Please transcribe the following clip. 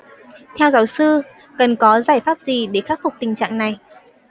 theo giáo sư cần có giải pháp gì để khắc phục tình trạng này